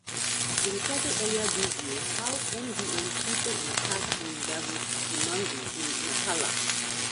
We reported earlier this year how MDM tweeted an attack on Daviz Simango in Nacala.